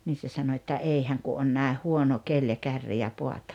niin se sanoi että ei hän kun on näin huono keli ja kärri ja paatti